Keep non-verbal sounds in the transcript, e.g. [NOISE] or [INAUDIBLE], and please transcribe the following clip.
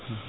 [HESITATION] [HESITATION]